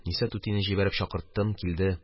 Ниса түтине җибәреп чакырттым, килде.